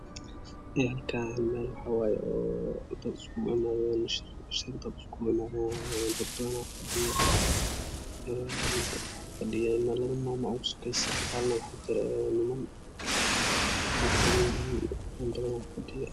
Halkaan meel waxaa waaye oo dad isugu imaadeen shir dad isugu imaadeen waaye dad badan aa fadhiyo een labo maamo aa ugu soosokayso gadaalna waxaa jira niman niman badana fadhiyo